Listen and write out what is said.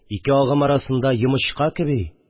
Ике агым арасында, йомычка кеби